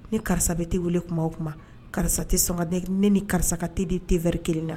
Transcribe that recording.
Ni karisa bɛ tɛ wele kuma o kuma karisa tɛ sɔn ka ne ni karisa ka tɛ di tɛri kelen na